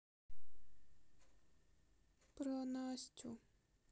про настю